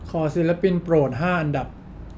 ขอศิลปินโปรดห้าอันดับ